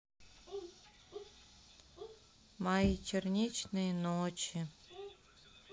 мои черничные ночи